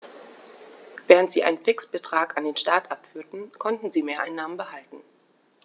Während sie einen Fixbetrag an den Staat abführten, konnten sie Mehreinnahmen behalten.